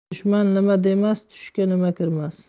dushman nima demas tushga nima kirmas